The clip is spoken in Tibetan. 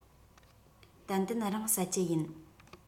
ཏན ཏན རང བསད ཀྱི ཡིན